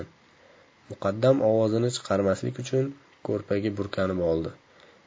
muqaddam ovozini chiqarmaslik uchun ko'rpaga burkanib oldi